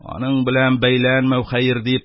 «аның белән бәйләнмәү хәер» дип,